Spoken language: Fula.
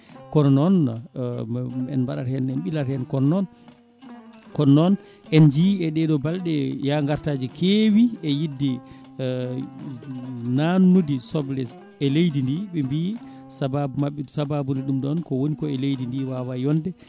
kono noon en mbaɗat hen min ɓilat hen kono kono noon en jii e ɗeɗo balɗe ya gartaji keewi e yidde nannude soble e leydi ndi ɓe mbi sababu mabɓe sababude ɗum ɗon ko woni ko e leydi ndi wawa yonde